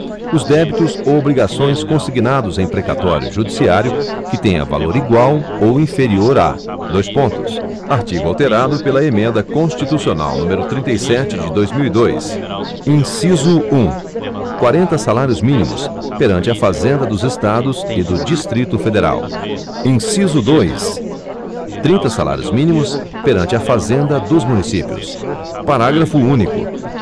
os débitos ou obrigações consignados em precatório judiciário que tenha valor igual ou inferior a dois pontos artigo alterado pela emenda constitucional número trinta e sete de dois mil e dois inciso um quarenta salários mínimos perante a fazenda dos estados e do distrito federal inciso dois trinta salários mínimos perante a fazenda dos municípios parágrafo único